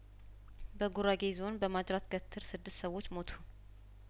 በጉራጌ ዞን በማጅራት ገትር ስድስት ሰዎች ሞቱ